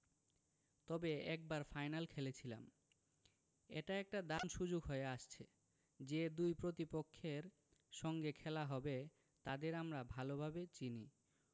তবে একবার ফাইনাল খেলেছিলাম এটা একটা দারুণ সুযোগ হয়ে আসছে যে দুই প্রতিপক্ষের সঙ্গে খেলা হবে তাদের আমরা ভালোভাবে চিনি